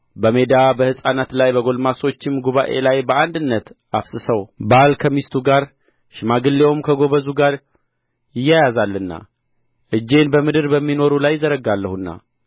በሜዳ በሕፃናት ላይ በጕልማሶችም ጉባዔ ላይ በአንድነት አፍስሰው ባል ከሚስቱ ጋር ሽማግሌውም ከጎበዙ ጋር ይያያዛልና እጄን በምድር በሚኖሩ ላይ እዘረጋለሁና